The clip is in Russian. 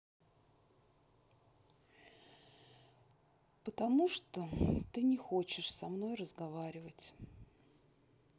потому что ты не хочешь со мной разговаривать